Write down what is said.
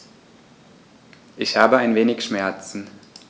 Ich habe ein wenig Schmerzen.